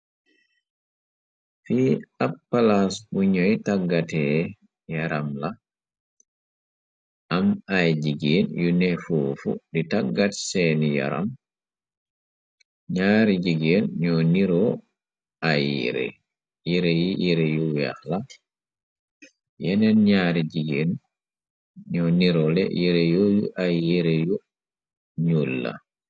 Fi ab palaas bu ñoy tàggate yaram la am ay jigéen yu ne fuufu di tàggat seeni yaram ñaari jigeen ñoo niroo ayyire yi yire yu weex la yeneen ñaari jigéen ñoo niroole yire yoo yu ay yire yu ñul la.